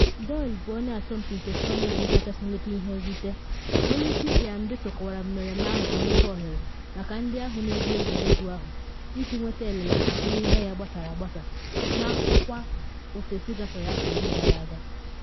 Doyle bụ onye asọmpi nke Scotland kachasị nweta ihe nrite, onye isi Ian Beattle kọwara mmereme ahụ ka nnukwu ohere maka ndị ahụ na edu egwuregwu ahụ iji nwete elele n’ahụmịhe ya gbasara agbasa n’ọkwa ofesi gafere afọ iri gara aga.